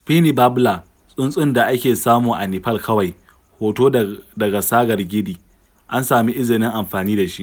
Spiny Babbler, tsuntsun da ake samu a Nepal kawai. Hoto daga Sagar Giri. an samu izinin amfani da shi.